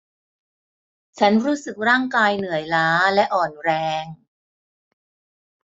ฉันรู้สึกร่างกายเหนื่อยล้าและอ่อนแรง